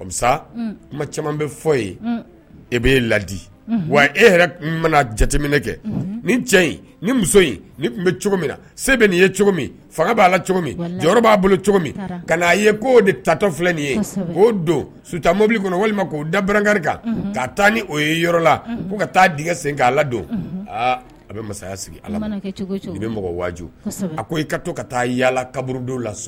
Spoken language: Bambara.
Mana muso na'i ye cogo min b'a la jɔyɔrɔ b'a bolo cogo ka' a ye ko de tatɔ filɛ nin ye k'o don su mobili kɔnɔ walima'o dabkari kan ka taa ni o ye yɔrɔ la ko ka taa dgɛ sen ka ladon aa a bɛ masaya sigi ala kɛ cogo i bɛ mɔgɔ waaju a ko i ka to ka taa yaala kaburudo la